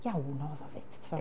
Iawn oedd o, fyd, tibod